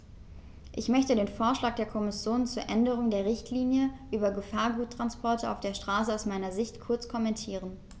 Ich möchte den Vorschlag der Kommission zur Änderung der Richtlinie über Gefahrguttransporte auf der Straße aus meiner Sicht kurz kommentieren.